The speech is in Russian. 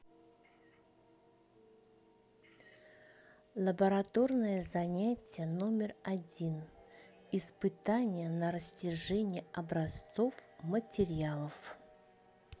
лабораторное занятие номер один испытание на растяжение образцов материалов